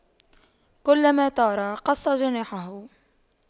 كلما طار قص جناحه